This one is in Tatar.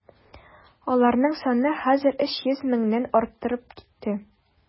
Аларның саны хәзер 300 меңнән артып китә.